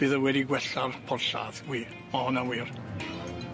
Bydd e wedi gwella'r porthlladd, wir. Ma' honna'n wir.